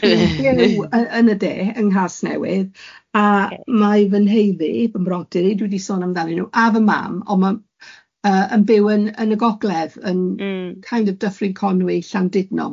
Dwi'n byw yy yn y de, yng Nghasnewydd, a mae fy nheulu, fy brodyr i, dwi di sôn amdanyn nhw, a fy mam, ond ma'n yy yn byw yn yn y gogledd, yn... Mm. ...yy kind of Dyffryn Conwy, Llandudno.